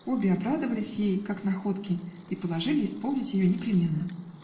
обе обрадовались ей как находке и положили исполнить ее непременно.